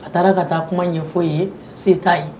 A taara ka taa kuma ye foyi ye se t'a ye